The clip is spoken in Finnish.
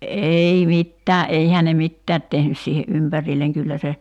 ei mitään eihän ne ne mitään tehnyt siihen ympärille kyllä se